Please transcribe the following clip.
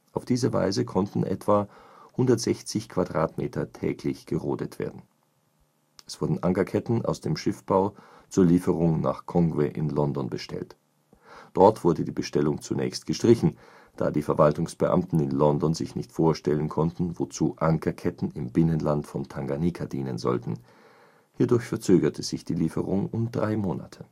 Auf diese Weise konnten etwa 160 m² täglich gerodet werden. Es wurden Ankerketten aus dem Schiffbau zur Lieferung nach Kongwe in London bestellt. Dort wurde die Bestellung zunächst gestrichen, da die Verwaltungsbeamten in London sich nicht vorstellen konnten, wozu Ankerketten im Binnenland von Tanganyika dienen sollten. Hierdurch verzögerte sich die Lieferung um drei Monate